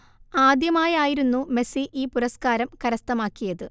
ആദ്യമായായിരുന്നു Messi ഈ പുരസ്കാരം കരസ്ഥമാക്കിയത്